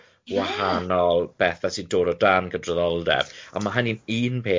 wahanol bethe sy'n dod o dan gydraddoldeb, a ma' hynny'n un peth